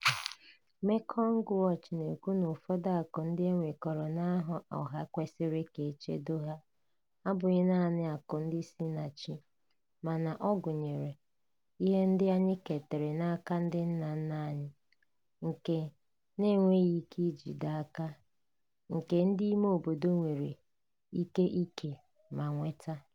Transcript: Mekong Watch na-ekwu na ụfọdụ akụ ndị e nwekọrọ n'aha ọha kwesịrị ka e chedoo ha abụghị naanị akụ ndị si na chi mana ọ gụnyere "ihe ndị anyị ketara n'aka ndị nna nna anyị nke a na-enweghị ike ijide aka" nke ndị ime obodo nwere íké íkè ma nweta.